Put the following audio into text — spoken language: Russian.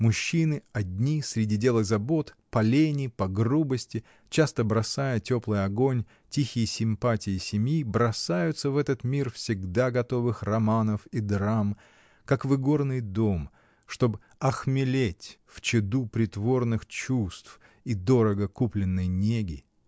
Мужчины, одни, среди дел и забот, по лени, по грубости, часто бросая теплый огонь, тихие симпатии семьи, бросаются в этот мир всегда готовых романов и драм, как в игорный дом, чтоб охмелеть в чаду притворных чувств и дорого купленной неги.